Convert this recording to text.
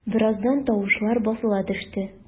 Бераздан тавышлар басыла төште.